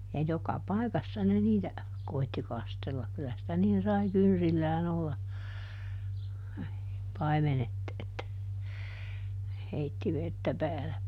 ja joka paikassa ne niitä koetti kastella kyllä sitä niin sai kynsillään olla paimenet että ne heitti vettä päälle